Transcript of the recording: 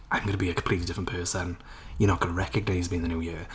I'm going to be a completely different person. You're not going to recognise me in the new year.